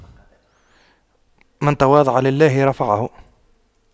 من تواضع لله رفعه